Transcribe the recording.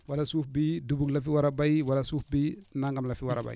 wala suuf bi dugub la fi war a béy wala suuf bi nanam la fi war a béy